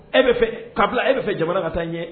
E bɛ fɛ kabila e bɛ fɛ jamana ka taa n ɲɛ